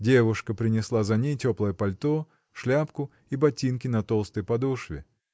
Девушка принесла за ней теплое пальто, шляпку и ботинки на толстой подошве.